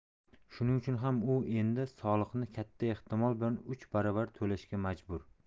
shuning uchun ham u endi soliqni katta ehtimol bilan uch baravar to'lashga majbur